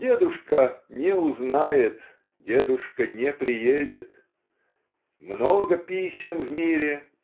дедушка не узнает, дедушка не приедет. Много писем в мире